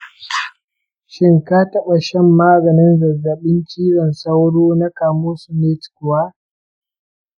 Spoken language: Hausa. shin ka taba shan maganin zazzabin cizon sauro na camosunate kuwa?